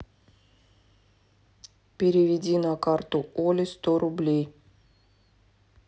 переведи на карту оли сто рублей